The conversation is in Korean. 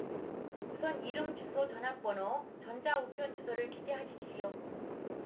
우선 이름 주소 전화번호 전자 우편 주소를 기재하십시오